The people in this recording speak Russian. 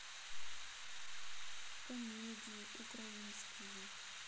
комедии украинские